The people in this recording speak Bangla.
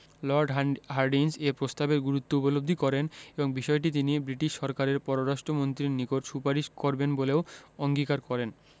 লর্ড হার্ডিঞ্জ এ প্রস্তাবের গুরুত্ব উপলব্ধি করেন এবং বিষয়টি তিনি ব্রিটিশ সরকারের পররাষ্ট্র মন্ত্রীর নিকট সুপারিশ করবেন বলেও অঙ্গীকার করেন